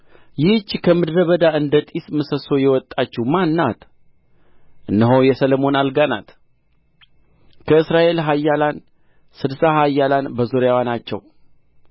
ይህች ከምድረ በዳ እንደ ጢስ ምስሶ የወጣችው ማን ናት እነሆ የሰሎሞን አልጋ ናት ከእስራኤል ኃያላን ስድሳ ኃያላን በዙሪያው ናቸው